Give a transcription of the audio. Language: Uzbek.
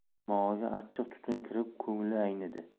dimog'iga achchiq tutun kirib ko'ngli aynidi